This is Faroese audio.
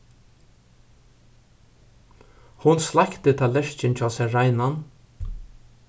hon sleikti tallerkin hjá sær reinan